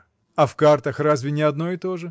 — А в картах разве не одно и то же?